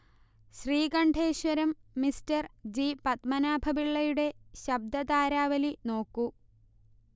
Sreekanteswaram mister G. പത്മനാഭപിള്ളയുടെ ശബ്ദതാരാവലി നോക്കൂ